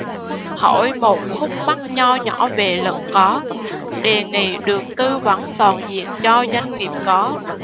hỏi một khúc mắc nho nhỏ về luật có đề nghị được tư vấn toàn diện cho doanh nghiệp có